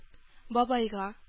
Бабайга